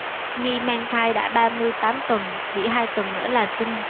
nhi mang thai đã ba mươi tám tuần chỉ hai tuần nữa là sinh